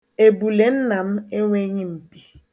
Ebule nna m enweghị mpi